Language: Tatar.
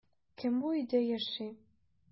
Кем бу өйдә яши?